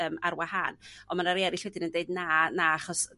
yym ar wahân on' ma' 'na rei erill wedyn yn deud Na, na achos